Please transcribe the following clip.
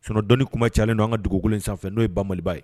Sinon dɔni kuma cayalen do an ŋa dugukolo in sanfɛ n'o ye ba Maliba ye